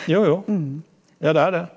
jo jo ja det er det.